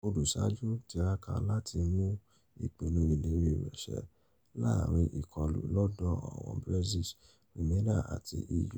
Oluṣaju n tiraka lati mu ipinnu ileri rẹ ṣẹ laarin ikọlu lọdọ awọn Brexit, Remainer ati EU.